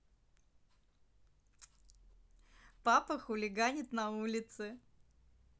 папа хулиганит на улице